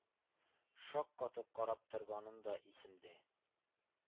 Шаккатып карап торганым да исемдә.